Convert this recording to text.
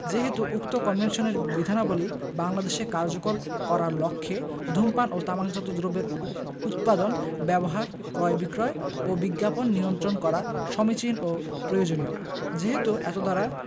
যেহেতু উক্ত কনভেনশনের বিধানাবলী বাংলাদেশে কার্যকর করার লক্ষ্যে ধূমপান ও তামাকজাত দ্রব্যের উৎপাদন ব্যবহার ক্রয় বিক্রয় ও বিজ্ঞাপন নিয়ন্ত্রণ করা সমীচীন ও প্রয়োজনীয় যেহেতু এতদ্বারা